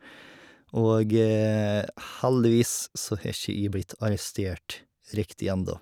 Og heldigvis så har ikke jeg blitt arrestert riktig enda.